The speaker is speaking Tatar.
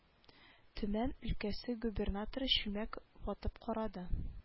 Төмән өлкәсе губернаторы чүлмәк ватып карады